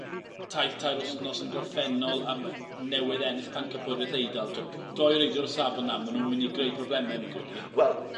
taith tair wthnos yn gorffennol a ma' newydd ennill pencampwrieth Eidal t'od doi reidiwr o'r safon 'na ma' n'w'n myn' i greu probleme fi'n credu. Wel